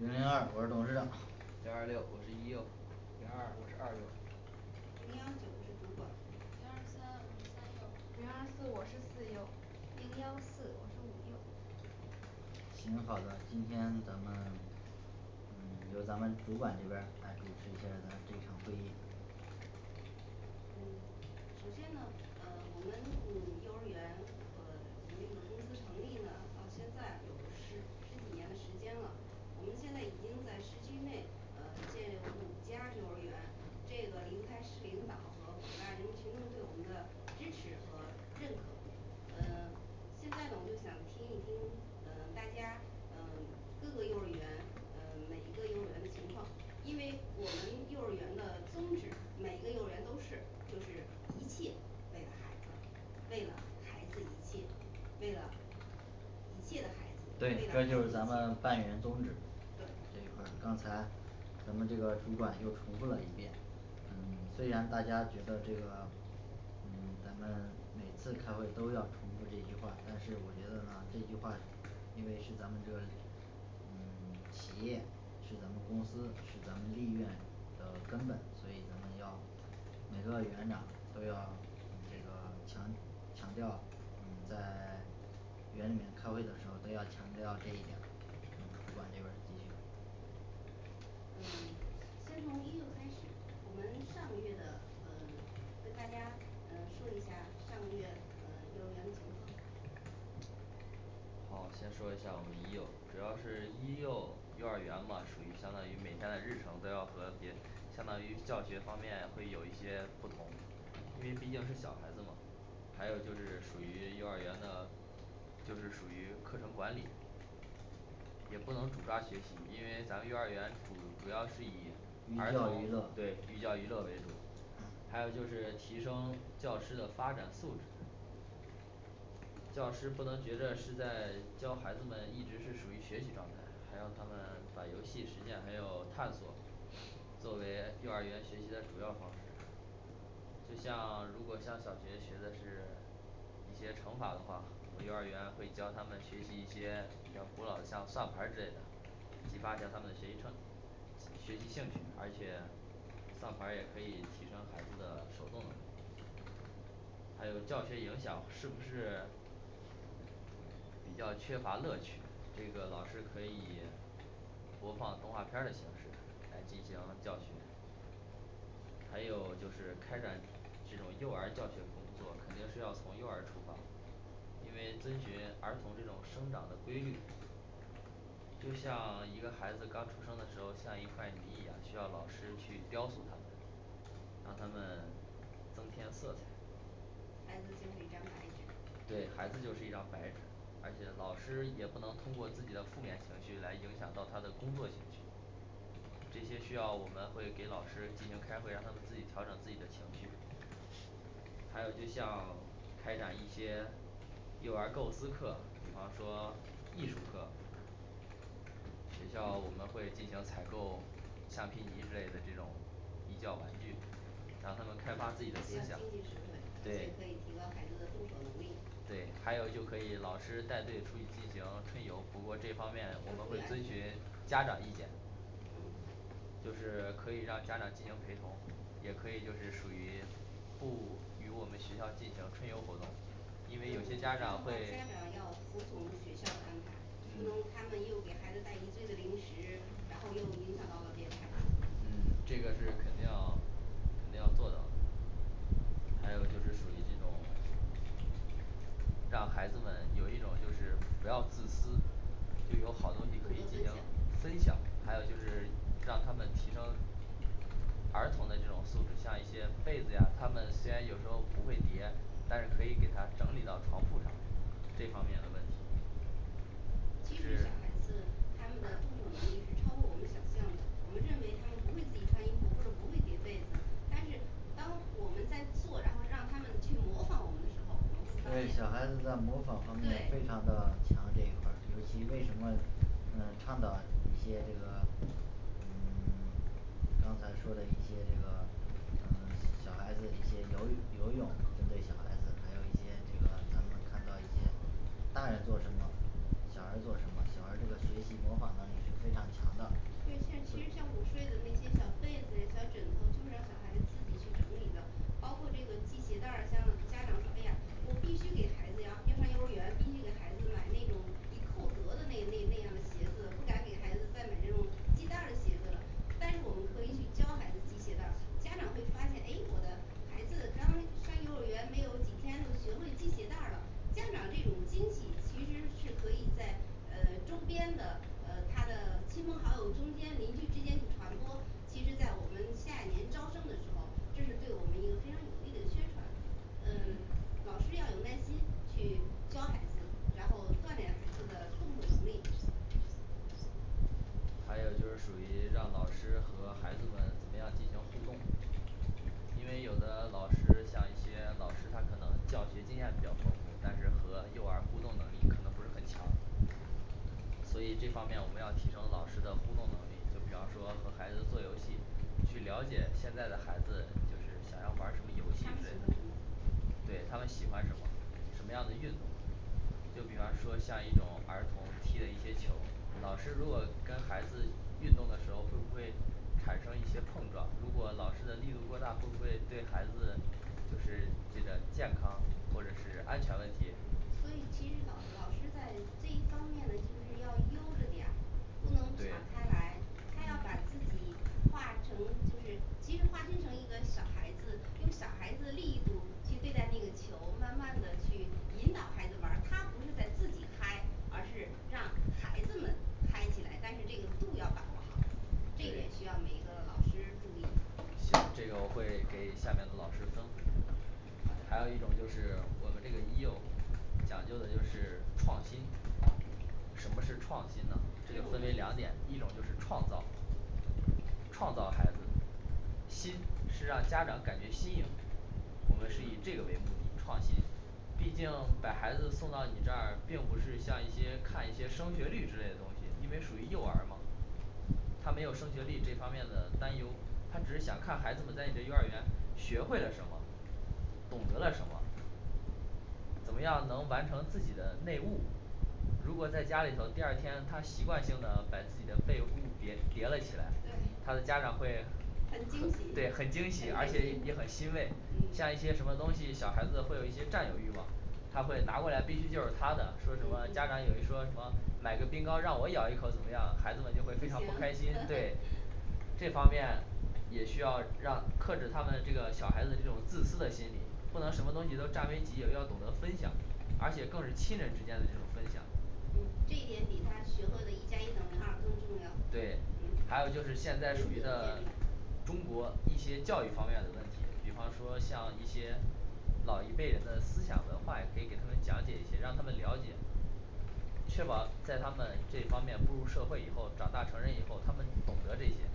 零零二我是董事长零二六我是一幼零二二我是二幼零幺九我是主管零二三我是三幼零二四我是四幼零幺四我是五幼行好的今天咱们嗯 由咱们主管这边儿可以主持一下儿咱们这场会议嗯首先呢呃我们幼儿园呃我们这个公司成立了到现在有了十十几年的时间了我们现在已经在市区内呃建立五家幼儿园这个离不开市领导和广大人民群众对我们的支持和认可呃现在呢我就想听一听呃大家呃各个幼儿园呃每一个幼儿园的情况因为我们幼儿园的宗旨每一个幼儿园都是就是一切为了孩子，为了孩子一切为了一切的孩子为了对孩这子一就是咱们办切园宗旨，对这一块儿刚才咱们这个主管又重复了一遍嗯虽然大家觉得这个嗯 咱们每次开会都要重复这句话，但是我觉得呢这句话因为是咱们这个嗯 企业是咱们公司是咱们立院的根本，所以咱们要每个园长都要嗯这个强强调嗯在 园里面开会的时候都要强调这一点儿嗯主管这边儿继续呃 先从一幼开始，我们上个月的呃跟大家呃说一下儿上个月呃幼儿园的情况好先说一下我们一幼主要是一幼幼儿园嘛属于相当于每天的日程都要和别相当于教学方面会有一些不同，因为毕竟是小孩子嘛还有就是属于幼儿园的就是属于课程管理也不能主抓学习，因为咱幼儿园主主要是以寓儿童对寓教于乐教于乐为主还有就是提升教师的发展素质教师不能觉着是在教孩子们一直是属于学习状态，还要他们把游戏实践还要探索作为幼儿园学习的主要方式就像 如果像小学学的是 一些乘法的话，幼儿园会教他们学习一些比较古老的像算盘儿之类的去发展他们的学习成学习兴趣，而且算盘儿也可以提升孩子的手动能力，还有教学影响是不是比较缺乏乐趣这个老师可以 播放动画片儿的形式来进行教学还有就是开展这种幼儿教学工作肯定是要从幼儿出发因为遵循儿童这种生长的规律就像一个孩子刚出生的时候像一块泥一样需要老师去雕塑他们让他们增添色彩孩子就是一张白纸对孩子就是一张白纸，而且老师也不能通过自己的负面情绪来影响到他的工作情绪这些需要我们会给老师进行开会，让他们自己调整自己的情绪还有就像开展一些幼儿构思课，比方说艺术课学校我们会进行采购，像评级之类的这种益教玩具让他们开比较经济实惠而发自己的思想对且可以提高孩子的动手能力对，还有就可以老师带队春进行春游不过这方面我们会遵循家长意见就是可以让家长进行陪同，也可以就是属于父母与我们学校进行春游活动他们，因为有些家家长长会要服从学校的安排，不能他们嗯又给孩子带一堆的零食，然后又影响到了别的孩嗯子这个是肯定肯定要做到的还有就是属于那种让孩子们有一种就是不要自私有好东西可以进懂行得分分享享，还有就是让他们提升儿童的这种素质，像一些被子呀他们虽然有时候不会叠，但是可以给他整理到床铺上这方面的问题。就其实小孩子是他们的动手能力是超过我们想象的，我们认为他们不会自己穿衣服或者不会叠被子，但是当我们在做，然后让他们去模仿我们的时候，我们会发对小孩子现在模仿方面非对常的强这一块儿尤其为什么嗯倡导一些这个嗯 刚才说了一些这个嗯小孩子一些游游泳针对小孩子，还有一些这个咱们看到一些大人做什么小孩儿做什么，小孩儿这个学习模仿能力是非常强的对，现在其实像午睡的那些小被子小枕头就是让小孩子自己去整理的，包括这个系鞋带儿，像家长说哎呀我必须给孩子要要上幼儿园，必须给孩子买那种一扣得的那那那样的鞋子，不敢给孩子再买那种系带儿的鞋子了但是我们可以去教孩子系鞋带儿，家长会发现诶我的孩子刚上幼儿园没有几天就学会系鞋带儿了家长这种惊喜其实是可以在呃 周边的呃他的亲朋好友中间邻居之间去传播，其实在我们下一年招生的时候，这是对我们一个非常有利的宣传嗯嗯老师要有耐心去教孩子，然后锻炼孩子的动手能力还有就是属于让老师和孩子们怎么样进行互动因为有的老师像一些老师他可能教学经验比较丰富但是和幼儿互动能力可能不是很强所以这方面我们要提升老师的工作能力就比方说和孩子做游戏去了解现在的孩子就是想要玩儿什么游戏对对他他们们喜喜欢什么欢什么什么样的运动就比方说像一种儿童踢的一些球儿，老师如果跟孩子运动的时候会不会产生一些碰撞，如果老师的力度过大，会不会对孩子的就是这个健康或者是安全问题所以其实老老师在这一方面呢就是要悠着点儿不对能敞嗯开来，他要把自己化成就是其实化身成一个小孩子，用小孩子的力度去对待那个球，慢慢的去引导孩子玩儿，他不是在自己嗨而是让孩子们嗨起来，但是这个度要把握好这一点需要对每一个老师注意，行这个我会给下面的老师吩咐一下还好的有一种就是我们这个一幼讲究的就是创新什么是创新呢这就分为两点一种就是创造创造孩子，新是让家长感觉新颖，我们是以这个为目的创新，毕竟把孩子送到你这儿，并不是像一些看一些升学率之类的东西，因为属于幼儿嘛他没有升学率这方面的担忧，他只是想看孩子们在你这幼儿园学会了什么，懂得了什么怎么样能完成自己的内务如果在家里头第二天他习惯性的把自己的被褥叠叠了起来，他的对家长会很对很很惊喜惊喜而且也很欣慰像一些嗯什么东西小孩子会有一些占有欲望他会拿过来必须就是他的嗯说什么，家长有一嗯说什么买个冰糕让我咬一口怎么样，孩子们就会非常不开不心行，对 这方面也需要让克制他们这个小孩子这种自私的心理不能什么东西都占为己有要懂得分享，而且更是亲人之间的这种分享嗯这一点比他学会了一加一等于二更重要嗯对还有人就格是的建现在这立个中国一些教育方面的问题，比方说像一些老一辈人的思想的坏，也可以给他们讲解一些让他们了解确保在他们这方面步入社会以后，长大成人以后，他们懂得这些